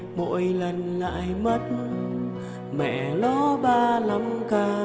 mỗi lần lại mất mẹ nó k